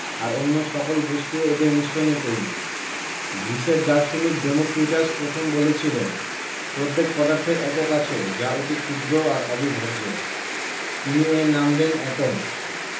আর অন্য সকল বস্তু এদের মিশ্রণে তৈরি গ্রিসের দার্শনিক ডেমোক্রিটাস প্রথম বলেছিলেন প্রত্যেক পদার্থের একক আছে যা অতি ক্ষুদ্র আর অবিভাজ্য তিনি এর নাম দেন এটম